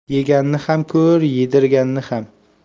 yeganni ham ko'r yedirganni ham